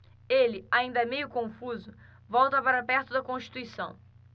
ele ainda meio confuso volta para perto de constituição